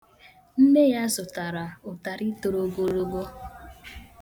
Nne ya zụtara ụtarị toro ogologo.